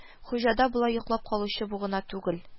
Хуҗада болай йоклап калучы бу гына түгел